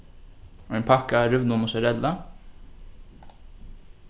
ein pakka av rivnum mozzarella